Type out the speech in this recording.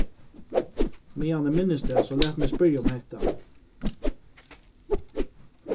meðan eg minnist tað so lat meg spyrja um hetta